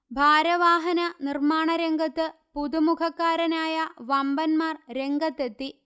ഭാരവാഹന നിർമാണ രംഗത്ത് പുതുമുഖക്കാരായ വമ്പന്മാർ രംഗത്തെത്തി